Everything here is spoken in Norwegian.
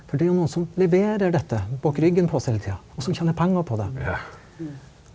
for det er jo noen som leverer dette bak ryggen på oss hele tida og som tjener penger på det.